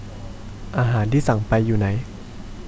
อาหารที่สั่งไปอยู่ไหน